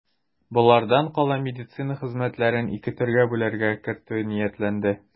Болардан кала медицина хезмәтләрен ике төргә бүләргә кертү ниятләнде.